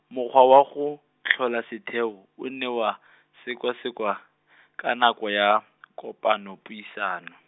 mokgwa wa go, tlhola setheo, o ne wa , sekwasekwa , ka nako ya , kopanopuisano.